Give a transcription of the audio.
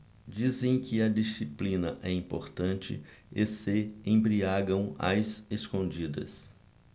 dizem que a disciplina é importante e se embriagam às escondidas